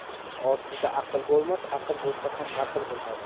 orsizda aql bo'lmas aql bo'lsa ham naql bo'lmas